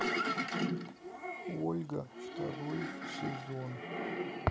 ольга второй сезон